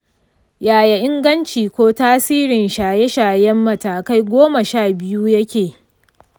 yaya inganci ko tasirin shirye-shiryen matakai goma sha biyu yake?